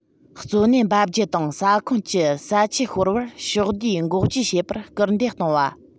གཙོ གནད འབབ རྒྱུད དང ས ཁོངས ཀྱི ས ཆུ ཤོར བར ཕྱོགས བསྡུས འགོག བཅོས བྱེད པར སྐུལ འདེད གཏོང བ